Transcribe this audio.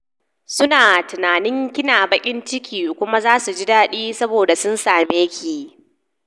Su na tunanin kina bakin ciki kuma za su ji dadi saboda sun same ki."